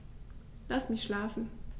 Lass mich schlafen